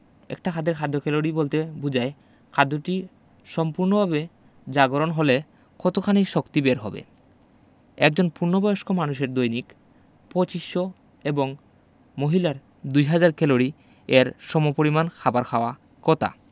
একটা খাদ্যের খাদ্য ক্যালোরি বলতে বোঝায় খাদ্যটি সম্পূর্ণভাবে জাগরণ হলে কতখানি শক্তি বের হবে একজন পূর্ণবয়স্ক মানুষের দৈনিক ২৫০০ এবং মহিলার ২০০০ ক্যালরি এর সমপরিমান খাবার খাওয়া কথা